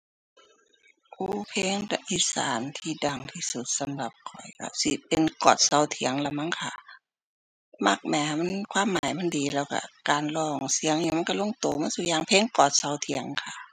โอ้ เพลงจากอีสานที่ดังที่สุดสำหรับข้อย ก็สิเป็นกอดเสาเถียงล่ะมั้งค่ะ มักแหมมันความหมายมันดีแล้วก็การร้องเสียงอิหยังมันก็ลงก็ก็ซุอย่าง เพลงกอดเสาเถียงค่ะ